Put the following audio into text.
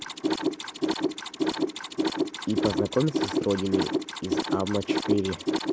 и познакомиться с родиной из алма четыре